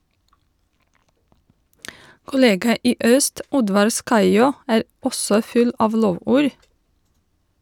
Kollega i øst, Oddvar Skaiaa , er også full av lovord.